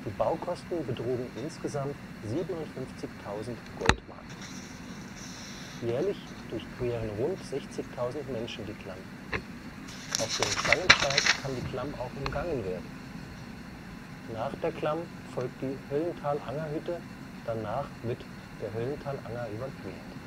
Baukosten betrugen insgesamt 57.000 Goldmark. Jährlich durchqueren rund 60.000 Menschen die Klamm. Auf dem Stangensteig kann die Klamm auch umgangen werden. Nach der Klamm folgt die Höllentalangerhütte (1381 m, bis voraussichtlich Mai 2015 wegen Neubau geschlossen), danach wird der Höllentalanger überquert